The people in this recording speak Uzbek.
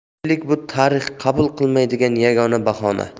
qiyinchilik bu tarix qabul qilmaydigan yagona bahona